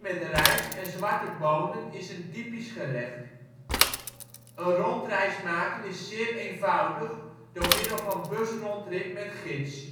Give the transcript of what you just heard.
met rijst en zwarte bonen is een typisch gerecht). Een rondreis maken is zeer eenvoudig door middel van busrondrit met gids.